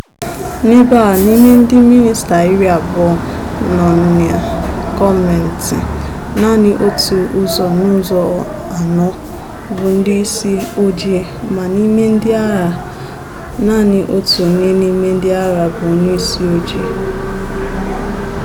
N'ebe a, n'ime ndị mịnịsta iri abụọ nọ na gọọmentị, naanị otu ụzọ n'ụzọ anọ bụ ndị isi ojii ma n'ime ndị agha, naanị otu onye n'ime ndị agha bụ onye isi ojii.